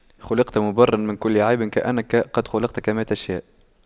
خلقت مُبَرَّأً من كل عيب كأنك قد خُلقْتَ كما تشاء